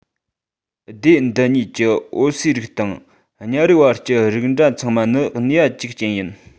སྡེ འདི གཉིས ཀྱི འོ གསོས རིགས དང ཉ རིགས བར གྱི རིགས འདྲ ཚང མ ནི ནུས པ གཅིག ཅན ཡིན